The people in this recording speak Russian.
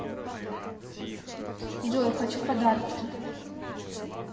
джой хочу подарки